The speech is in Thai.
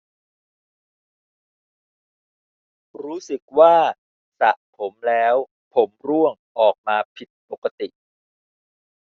รู้สึกว่าสระผมแล้วผมร่วงออกมาผิดปกติ